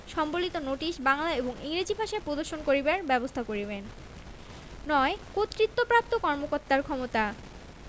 সম্বলিত নোটিশ বাংলা এবং ইংরেজী ভাষায় প্রদর্শন করিবার ব্যবস্থা করিবেন ৯ কর্তৃত্বপ্রাপ্ত কর্মকর্তার ক্ষমতা